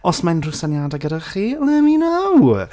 Os mae unryw syniadau gyda chi, let me know!